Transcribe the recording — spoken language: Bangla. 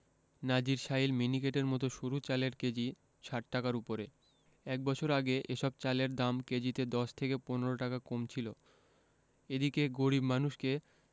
নাজিরশাইল মিনিকেটের মতো সরু চালের কেজি ৬০ টাকার ওপরে এক বছর আগে এসব চালের দাম কেজিতে ১০ থেকে ১৫ টাকা কম ছিল এদিকে গরিব মানুষকে